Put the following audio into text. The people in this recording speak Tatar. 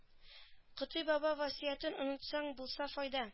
Котый баба васыятен онытсаң булмас файда